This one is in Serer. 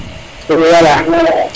i wala